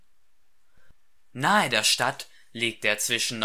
Nahe der Stadt liegt der zwischen